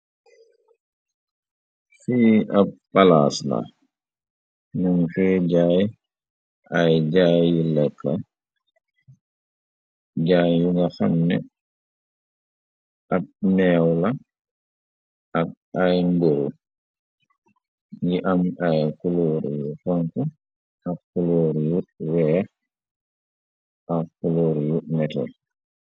Fii ab palaas la nunfee jaay ay jaayi lekkla jaay yu nga xamne ab meewla ak ay mboru gi am ay kulóor yu fant ak kulóor yu weex ak kuloor yu nete.